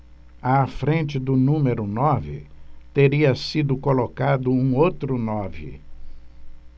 à frente do número nove teria sido colocado um outro nove